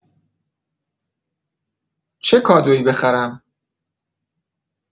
چه کادویی بخرم؟